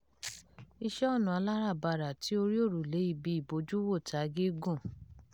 Iṣẹ́ ọnà aláràbarà ti orí òrùlé ibi ìbojúwòta gígùn.